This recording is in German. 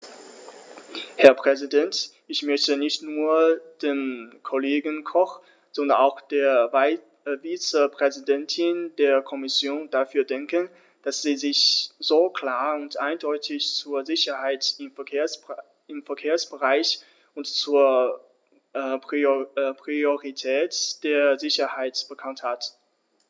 Herr Präsident, ich möchte nicht nur dem Kollegen Koch, sondern auch der Vizepräsidentin der Kommission dafür danken, dass sie sich so klar und eindeutig zur Sicherheit im Verkehrsbereich und zur Priorität der Sicherheit bekannt hat.